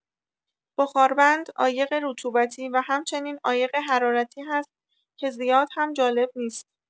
بخاربند عایق رطوبتی و هم‌چنین عایق حرارتی هست که زیاد هم جالب نیست.